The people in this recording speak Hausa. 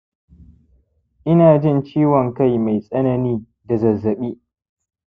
ina jin ciwon kai mai tsanani da zazzaɓi